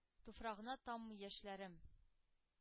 Туфрагына таммый яшьләрем.